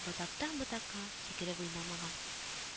Ботактан ботакка сикереп уйнамаган